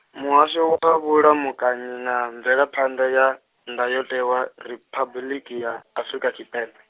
Muhasho wa Vhulamukanyi na Mvelaphanḓa ya Ndayotewa Riphabuḽiki ya Afrika Tshipembe.